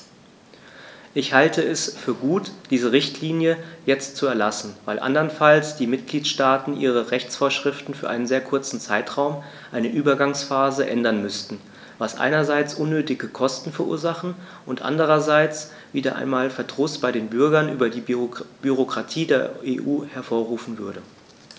Ich halte es für gut, diese Richtlinie jetzt zu erlassen, weil anderenfalls die Mitgliedstaaten ihre Rechtsvorschriften für einen sehr kurzen Zeitraum, eine Übergangsphase, ändern müssten, was einerseits unnötige Kosten verursachen und andererseits wieder einmal Verdruss bei den Bürgern über die Bürokratie der EU hervorrufen würde.